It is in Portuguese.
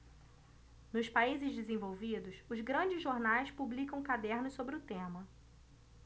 nos países desenvolvidos os grandes jornais publicam cadernos sobre o tema